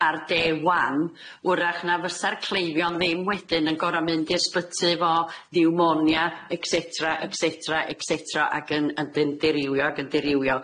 ar dê wan, wrach na fysa'r cleifion ddim wedyn yn gor'o' mynd i'r Sbyty 'fo niwmonia et cetera, et cetera, et cetera, ag yn yn 'dyn dirywio ag yn dirywio.